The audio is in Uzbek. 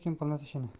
hech kim qilmas ishini